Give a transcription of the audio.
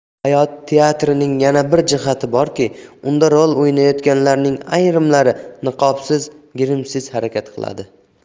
hayot teatrining yana bir jihati borki unda rol o'ynayotganlarning ayrimlari niqobsiz grimsiz harakat qiladi